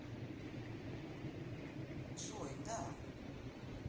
joy да